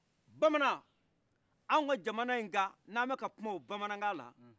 bamanan anw ka jamaman i ka n'an be ka kuma o bamanakanla